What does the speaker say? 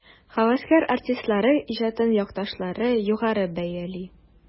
Һәвәскәр артистларның иҗатын якташлары югары бәяли.